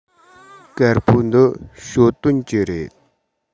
དཀར པོ འདི ཞའོ ཏོན གྱི རེད